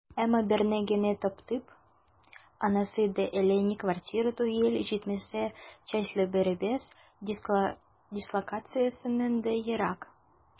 Әмма берне генә таптым, анысы да әллә ни квартира түгел, җитмәсә, частьләребез дислокациясеннән дә ерак.